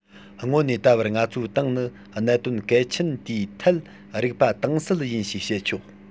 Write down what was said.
སྔོན ནས ད བར ང ཚོའི ཏང ནི གནད དོན གལ ཆེན དེའི ཐད རིག པ དྭངས གསལ ཡིན ཞེས བཤད ཆོག